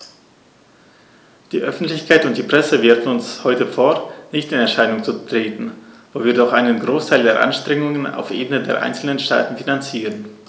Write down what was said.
Die Öffentlichkeit und die Presse werfen uns heute vor, nicht in Erscheinung zu treten, wo wir doch einen Großteil der Anstrengungen auf Ebene der einzelnen Staaten finanzieren.